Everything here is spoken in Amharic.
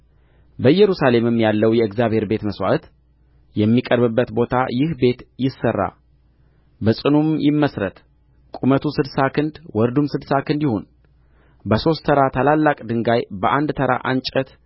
በኢየሩሳሌም ያለው የእግዚአብሔር ቤት መሥዋዕት የሚቀርብበት ቦታ ይህ ቤት ይሠራ በጽኑም ይመሥረት ቁመቱ ስድሳ ክንድ ወርዱም ስድሳ ክንድ ይሁን በሦስት ተራ ታላላቅ ድንጋይ በአንድ ተራ እንጨት